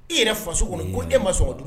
E yɛrɛ faso kɔnɔ ko e ma sɔn wa.